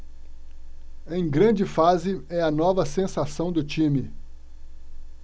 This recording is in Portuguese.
em grande fase é a nova sensação do time